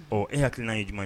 Ɔ e hakiliki n' ye jumɛn ye